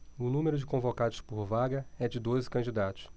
o número de convocados por vaga é de doze candidatos